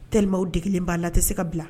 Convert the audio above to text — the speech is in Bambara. Teliw de kelen b'a la a tɛ se ka bila